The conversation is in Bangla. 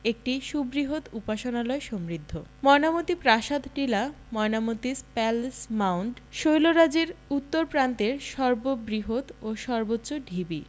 একটি সুবৃহৎ উপাসনালয় সমৃদ্ধ ময়নামতী প্রাসাদ টিলা ময়নামতিস প্যালেস মাওন্ড শৈলরাজির উত্তর প্রান্তের সর্ববৃহৎ ও সর্বোচ্চ ঢিবি